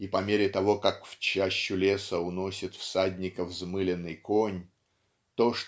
и по мере того как в чащу леса уносит всадника взмыленный конь то